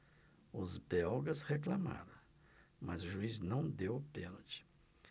os belgas reclamaram mas o juiz não deu o pênalti